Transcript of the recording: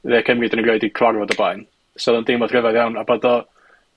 dde Cymry 'dan ni'm 'rioed 'di cyfarfod o'r blaen. So odd o'n deimlad rhyfedd iawn, a bod o